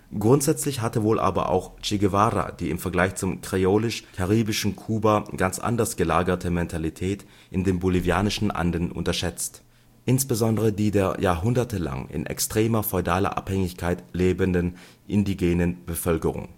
Grundsätzlich hatte wohl aber auch Che Guevara die im Vergleich zum kreolisch-karibischen Kuba ganz anders gelagerte Mentalität in den bolivianischen Anden unterschätzt, insbesondere die der jahrhundertelang in extremer feudaler Abhängigkeit lebenden indigenen Bevölkerung